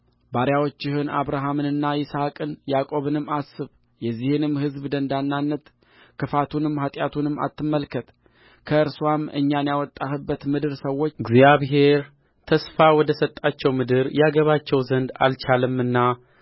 ባሪያዎችህን አብርሃምንና ይስሐቅን ያዕቆብንም አስብ የዚህን ሕዝብ ደንዳንነት ክፋቱንም ኃጢአቱንም አትመልከትከእርስዋ እኛን ያወጣህባት ምድር ሰዎች እግዚአብሔር ተስፋ ወደ ሰጣቸው ምድር ያገባቸው ዘንድ አልቻለምና